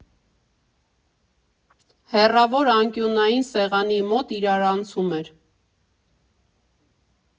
Հեռավոր անկյունային սեղանի մոտ իրարանցում էր։